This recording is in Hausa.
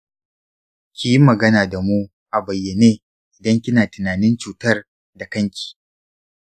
kiyi magana damu a bayyane idan kina tinanin cutar da kanki.